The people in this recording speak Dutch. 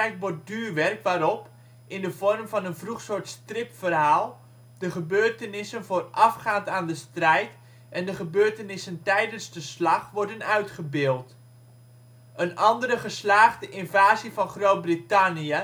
borduurwerk waarop (in de vorm van een vroeg soort stripverhaal) de gebeurtenissen voorafgaand aan de strijd en de gebeurtenissen tijdens de slag worden uitgebeeld. Een andere geslaagde invasie van Groot-Brittannië